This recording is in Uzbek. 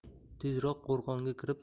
tezroq qo'rg'onga kirib